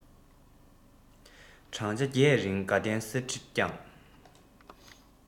བགྲང བྱ བརྒྱད རིང དགའ ལྡན གསེར ཁྲི བསྐྱངས